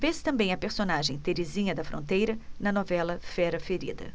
fez também a personagem terezinha da fronteira na novela fera ferida